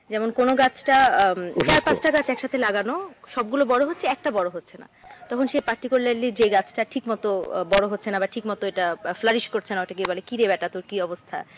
যেমন কোন গাছ টা অসুস্থ 4 5টা কাজ একসঙ্গে লাগানো সবগুলো বড় হচ্ছে একটা বড় হচ্ছে না তখন সে পার্টিকুলারলি যে গাছ টা ঠিকমতো বড় হচ্ছে না বা ঠিকমত এটা ফ্লারিস করছে না কি রে ব্যাটা তোর কি অবস্থা